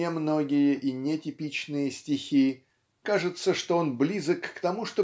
не многие и не типичные стихи кажется что он близок к тому